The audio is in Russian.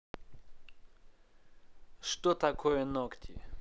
что такое ногти